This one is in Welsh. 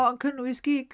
O yn cynnwys gigs?